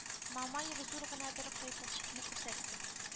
Мамаев зур гына бер кыйпылчыкны күрсәтте